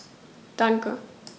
Danke.